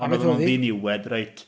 Ddiniwed reit.